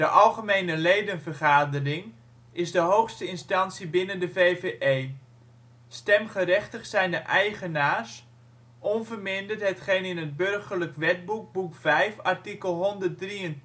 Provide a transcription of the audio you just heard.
algemene ledenvergadering (ALV) is de hoogste instantie binnen de VvE. Stemgerechtigd zijn de eigenaars, onverminderd hetgeen in het Burgerlijk Wetboek Boek 5, artikel 123